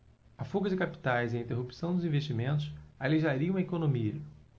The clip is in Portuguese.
a fuga de capitais e a interrupção dos investimentos aleijariam a economia